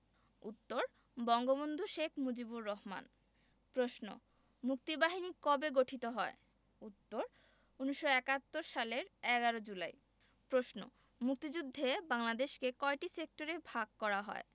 উত্তর বঙ্গবন্ধু শেখ মুজিবুর রহমান প্রশ্ন মুক্তিবাহিনী কবে গঠিত হয় উত্তর ১৯৭১ সালের ১১ জুলাই প্রশ্ন মুক্তিযুদ্ধে বাংলাদেশকে কয়টি সেক্টরে ভাগ করা হয়